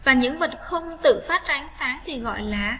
những vật không tự phát ra ánh sáng thì gọi là